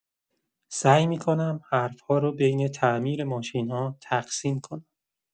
سعی می‌کنم حرف‌ها رو بین تعمیر ماشین‌ها تقسیم کنم.